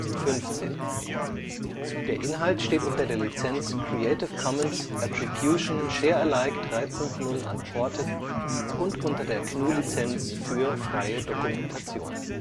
vom Der Inhalt steht unter der Lizenz Creative Commons Attribution Share Alike 3 Punkt 0 Unported und unter der GNU Lizenz für freie Dokumentation